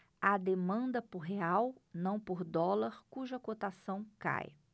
há demanda por real não por dólar cuja cotação cai